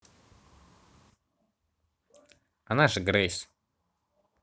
она же грейс